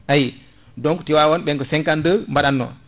ayi donc Tivaoune ɓen ko 52 baɗanno